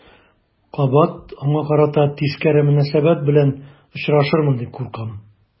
Кабат аңа карата тискәре мөнәсәбәт белән очрашырмын дип куркам.